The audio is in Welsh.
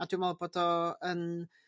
A dwi me'wl bod o yn